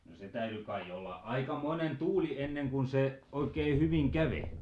no se täytyi kai olla aikamoinen tuuli ennen kuin se oikea hyvin kävi